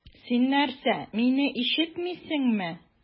Син нәрсә, мине ишетмисеңме?